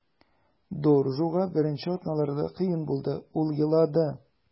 Доржуга беренче атналарда кыен булды, ул елады.